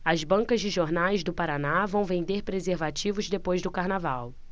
as bancas de jornais do paraná vão vender preservativos depois do carnaval